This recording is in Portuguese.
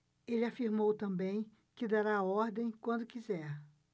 ele afirmou também que dará a ordem quando quiser